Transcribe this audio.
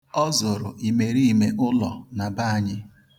Ọ zụrụ imeriime ụlọ na be anyị.